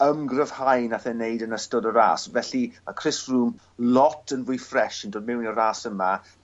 ymgryfhau nath ei neud yn ystod y ras felly ma' Chris Froome lot yn fwy ffres yn dod mewn i'r ras yma